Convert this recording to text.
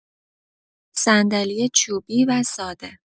صندلی چوبی و ساده